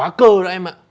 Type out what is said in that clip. khóa cơ đây em ạ